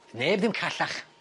Neb ddim callach.